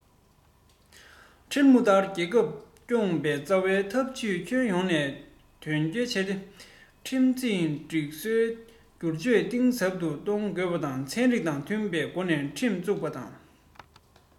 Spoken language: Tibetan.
ཁྲིམས ལུགས ལྟར རྒྱལ ཁབ སྐྱོང བའི རྩ བའི ཐབས ཇུས ཁྱོན ཡོངས ནས དོན འཁྱོལ བྱས ཏེ ཁྲིམས འཛིན སྒྲིག སྲོལ སྒྱུར བཅོས གཏིང ཟབ ཏུ གཏོང དགོས པ དང ཚན རིག དང མཐུན པའི སྒོ ནས ཁྲིམས འཛུགས པ དང